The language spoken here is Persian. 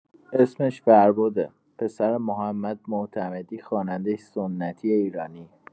اسمش فربده، پسر محمد معتمدی خواننده سنتی ایرانی